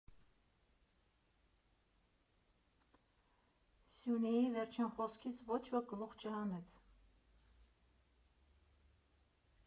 Սյունեի վերջին խոսքից ոչ ոք գլուխ չհանեց։